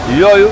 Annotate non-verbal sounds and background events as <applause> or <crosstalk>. <hesitation> <hesitation>